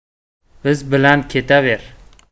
biz bilan ketaver